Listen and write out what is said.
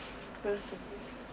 merci